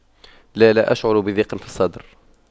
لا لا اشعر بضيق في الصدر